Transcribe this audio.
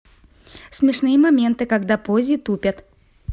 смешные моменты когда пози тупят